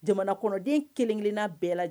Jamana kɔnɔden kelen- kelenna bɛɛ lajɛ